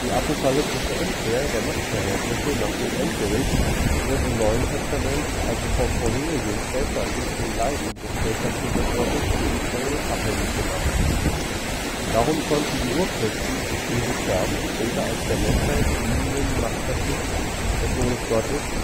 apokalyptische Umkehr der Machtverhältnisse nach dem Endgericht wird im NT also vom vorherigen stellvertretenden Leiden des Stellvertreters Gottes für Israel abhängig gemacht. Darum konnten die Urchristen Jesu Sterben später als der Menschheit dienenden Machtverzicht des Sohnes Gottes